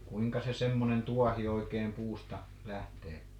kuinka se semmoinen tuohi oikein puusta lähtee